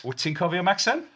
Wyt ti'n cofio Macsen?